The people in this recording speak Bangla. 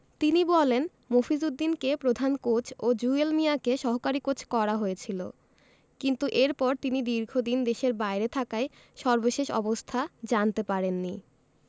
তিনি বলেন মফিজ উদ্দিনকে প্রধান কোচ ও জুয়েল মিয়াকে সহকারী কোচ করা হয়েছিল কিন্তু এরপর তিনি দীর্ঘদিন দেশের বাইরে থাকায় সর্বশেষ অবস্থা জানতে পারেননি